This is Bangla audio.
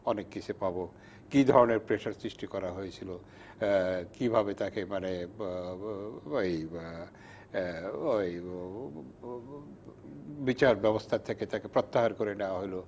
অনেক কিছু পাব কি ধরনের প্রেশার সৃষ্টি করা হয়েছিল কিভাবে তাকে মানে বিচার ব্যবস্থা থেকে তাকে প্রত্যাহার করে নেয়া হলো